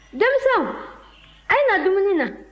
denmisɛnw a' ye na dumuni na